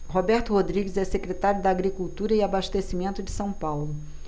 roberto rodrigues é secretário da agricultura e abastecimento de são paulo